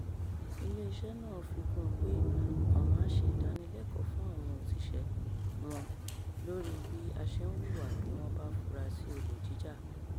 Ilé-iṣẹ́ náà fi kún un pé àwọn á ṣe ìdánilẹ́kọ̀ọ́ fún àwọn òṣìṣẹ́ wọn lórí bí a ṣe ń hùwà bí wọ́n bá fura sí olè jíjà.